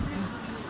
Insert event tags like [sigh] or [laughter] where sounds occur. [hesitation] [crosstalk]